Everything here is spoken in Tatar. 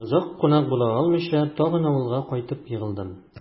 Озак кунак була алмыйча, тагын авылга кайтып егылдым...